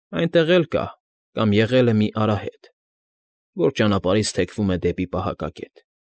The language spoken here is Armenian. Այնտեղ էլ կա, կամ եղել է, մի արահետ, որ ճանապարհից թեքվում է դեպի պահակակետ։